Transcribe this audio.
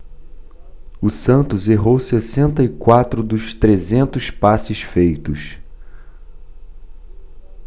o santos errou sessenta e quatro dos trezentos passes feitos